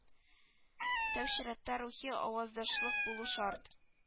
Тәү чиратта рухи аваздашлык булу шарт